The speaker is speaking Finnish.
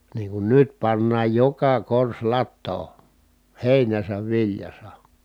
niin kuin nyt pannaan joka korsi latoon heinässä viljassa